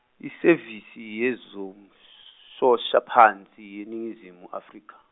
iSevisi yezoMshoshaphansi yeNingizimu Afrika.